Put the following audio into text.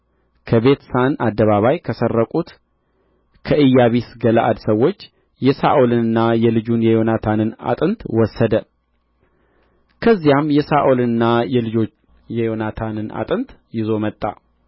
ከቤትሳን አደባባይ ከሰረቁት ከኢያቢስ ገለዓድ ሰዎች የሳኦልንና የልጁን የዮናታንን አጥንት ወሰደ ከዚያም የሳኦልንና የልጁን የዮናታንን አጥንት ይዞ መጣ